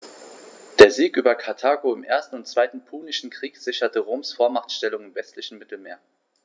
Der Sieg über Karthago im 1. und 2. Punischen Krieg sicherte Roms Vormachtstellung im westlichen Mittelmeer.